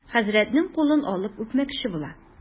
Хәзрәтнең кулын алып үпмәкче була.